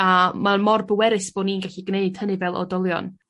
A ma'n mor bwerus bo' ni'n gallu gneud hynny fel oedolion.